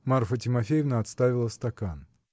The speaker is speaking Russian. Марфа Тимофеевна отставила стакан.